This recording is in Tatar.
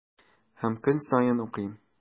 Һәм көн саен укыйм.